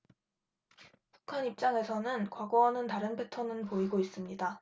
북한 입장에서는 과거와는 다른 패턴은 보이고 있습니다